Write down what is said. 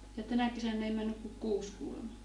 ja tänä kesänä ei mennyt kuin kuusi kuulemma